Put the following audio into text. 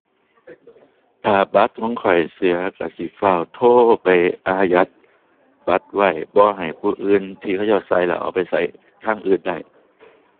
ถ้าบัตรของข้อยเสียก็สิฟ้าวโทรไปอายัดบัตรไว้ บ่ให้ผู้อื่นที่เขาเจ้าก็แล้วเอาไปก็ทางอื่นได้